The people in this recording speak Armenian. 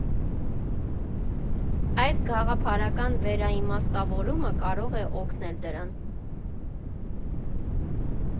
Այս գաղափարական վերաիմաստավորումը կարող է օգնել դրան։